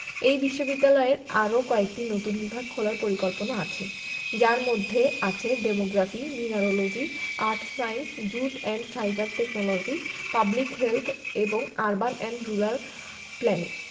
এই বিশ্ববিদ্যালয়ের আরও কয়েকটি নতুন বিভাগ খোলার পরিকল্পনা আছে যার মধ্যে আছে demography mineralogy earth science jute and fibre technology public health এবং আরবান অ্যান্ড রুরাল প্ল্যানিং